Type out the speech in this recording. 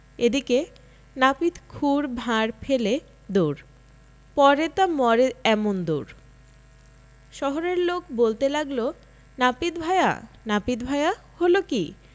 এদিকে নাপিত ক্ষুর ভাঁড় ফেলে দৌড় পড়ে তা মরে এমন দৌড় শহরের লোক বলতে লাগল নাপিত ভায়া নাপিত ভায়া হল কী